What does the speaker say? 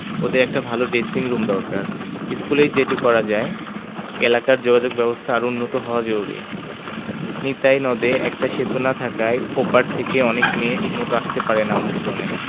ওদের একটা ভালো ড্রেসিংরুম দরকার স্কুলেই যেটি করা যায় এলাকার যোগাযোগব্যবস্থা আরও উন্নত হওয়া জরুরি নিতাই নদে একটা সেতু না থাকায় ও পার থেকে অনেক মেয়ে ঠিকমতো আসতে পারে না অনুশীলনে